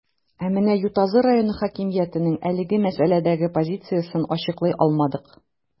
Ә менә Ютазы районы хакимиятенең әлеге мәсьәләдәге позициясен ачыклый алмадык.